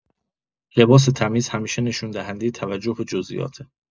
لباس تمیز همیشه نشون‌دهندۀ توجه به جزییاته.